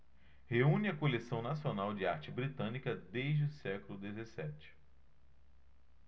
reúne a coleção nacional de arte britânica desde o século dezessete